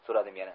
so'radim yana